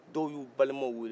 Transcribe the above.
dɔw y'u balimanw weele